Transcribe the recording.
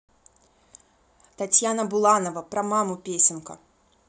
татьяна буланова про маму песенка